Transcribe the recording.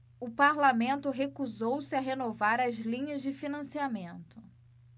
o parlamento recusou-se a renovar as linhas de financiamento